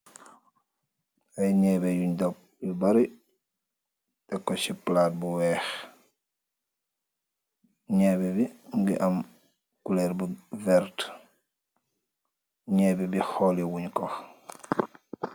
Ay neebe yun toog yu bari teko ci plaate bu weex neebe bi mogi am culeer bu verte neebe bi xooli wun ko.